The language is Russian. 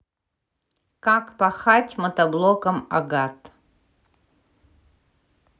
как пахать мотоблоком агат